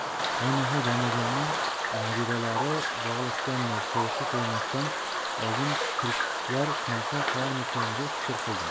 hoynahoy domlajonning nabiralari bog'lashgandir sovchi qo'ymasdan oldin turklar shunaqa qilarmikin deb fikr qildim